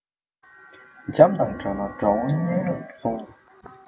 འཇམ རང དྲགས ན དགྲ བོ གཉའ རེངས ཡོང